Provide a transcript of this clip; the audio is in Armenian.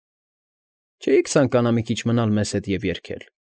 Չէի՞ք ցանկանա մի քիչ մնալ մեզ հետ և երգել։